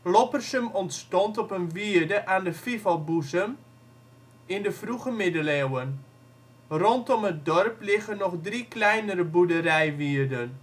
Loppersum ontstond op een wierde aan de Fivelboezem in de vroege middeleeuwen. Rondom het dorp liggen nog 3 kleinere boerderijwierden